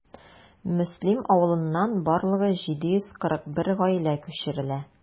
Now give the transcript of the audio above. Мөслим авылыннан барлыгы 741 гаилә күчерелә.